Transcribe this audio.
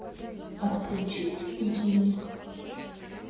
отключить будильники